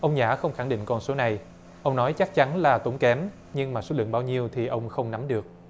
ông nhã không khẳng định con số này ông nói chắc chắn là tốn kém nhưng mà số lượng bao nhiêu thì ông không nắm được